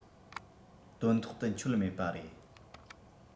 དོན ཐོག ཏུ འཁྱོལ མེད པ རེད